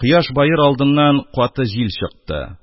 Кояш баер алдыннан каты җил чыкты,